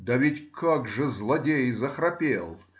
Да ведь как же, злодей, захрапел!